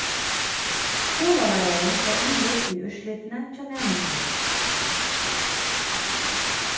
skúlaleiðarin fær innlit í úrslitini hjá næmingunum